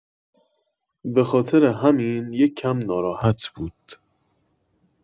به‌خاطر همین یکم ناراحت بود.